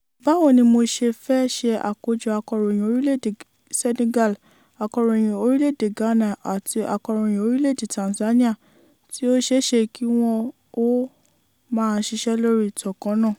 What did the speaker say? Báwo ni mo ṣe fẹ́ ṣe àkójọ akọ̀ròyìn Orílẹ̀-èdè Senegal, akọ̀ròyìn Orílẹ̀-èdè Ghana àti akọ̀ròyìn Orílẹ̀-èdè Tanzania tí ó ṣeé ṣe kí wọn ó maa ṣisẹ́ lórí ìtàn kannáà?